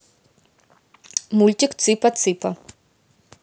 мультик цыпа цыпа